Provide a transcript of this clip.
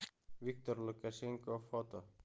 viktor lukashenko foto